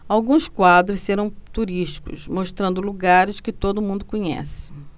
alguns quadros serão turísticos mostrando lugares que todo mundo conhece